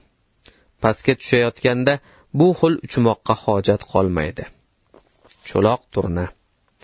pastga tushayotganda bu xil uchmoqqa hojat qolmaydi